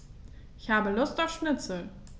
Ich habe Lust auf Schnitzel.